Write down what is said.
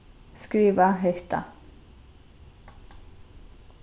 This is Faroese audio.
skriva hetta